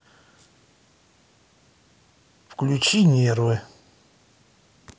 включи нервы